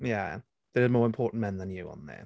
Yeah there are more important men than you on there.